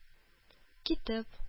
Китеп